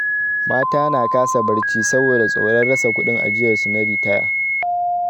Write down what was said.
Mata na kasa barci saboda tsoron rasa kudin ajiyarsu na ritaya